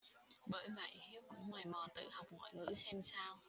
bởi vậy hiếu cũng mày mò tự học ngoại ngữ xem sao